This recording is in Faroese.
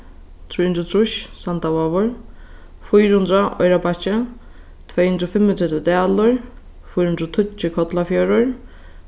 trý hundrað og trýss sandavágur fýra hundrað oyrarbakki tvey hundrað og fimmogtretivu dalur fýra hundrað og tíggju kollafjørður